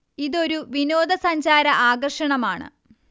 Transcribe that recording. ഇതൊരു വിനോദ സഞ്ചാര ആകർഷണമാണ്